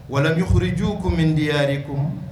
Walan miuruju ko min diri ko